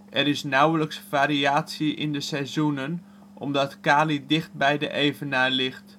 Er zijn nauwelijks variaties in seizoenen, omdat Cali dichtbij de evenaar ligt